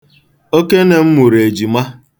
Okene m mụrụ ejima.